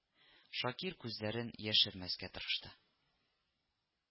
— шакир күзләрен яшермәскә тырышты